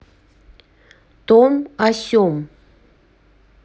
том о сем